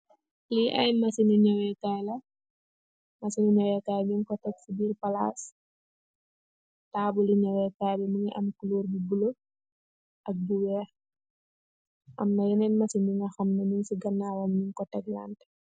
Li ayi machini nyaweh kayila, machini nyaweh kayi nyuko tehk si birr palas. Tabuli nyaweh kayi bi mungi am kulorol bu blue ak bu whehk, Amna yenen machini nyaweh kayi yo hamneh nyo ko tehk sii ganawam buhamneh nyuko Tek lanteh.